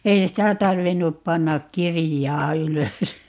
ei sitä tarvinnut panna kirjaan ylös